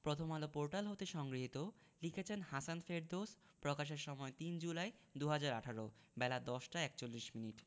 Prothom Alo portal হতে সংগৃহীত লিখেছেন হাসান ফেরদৌস প্রকাশের সময় ৩ জুলাই ২০১৮ বেলা ১০টা ৪১মিনিট